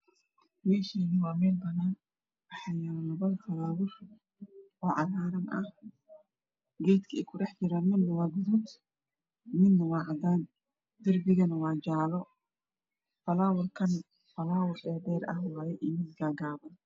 Meeshaan waa meel banaan waxaa yaalo labo faloowar oo cagaaran geedka ay ku dhex jiraana midna waa gaduud midna waa cadaan. Darbigana waa jaalo. Faloowarkana waa faloowar dhaadheer ah iyo mid gaaban.